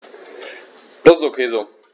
Das ist ok so.